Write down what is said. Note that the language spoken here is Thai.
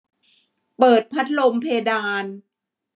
เปิดพัดลมเพดาน